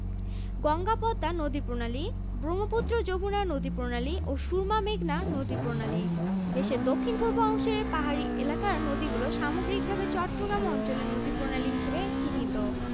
গঙ্গা পদ্মা নদীপ্রণালী ব্রহ্মপুত্র যমুনা নদীপ্রণালী ও সুরমা মেঘনা নদীপ্রণালী দেশের দক্ষিণ পূর্ব অংশের পাহাড়ী এলাকার নদীগুলো সামগ্রিকভাবে চট্টগ্রাম অঞ্চলের নদীপ্রণালী হিসেবে চিহ্নিত